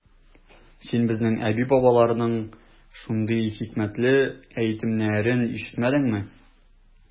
Син безнең әби-бабайларның шундый хикмәтле әйтемнәрен ишетмәдеңме?